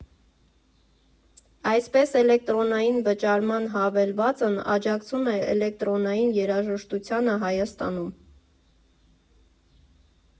Այսպես, էլեկտրոնային վճարման հավելվածն աջակցում է էլեկտրոնային երաժշտությանը Հայաստանում։